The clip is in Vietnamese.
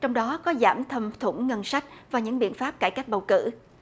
trong đó có giảm thâm thủng ngân sách và những biện pháp cải cách bầu cử